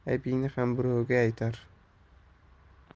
sening aybingni ham birovga aytar